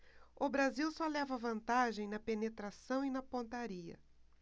o brasil só leva vantagem na penetração e na pontaria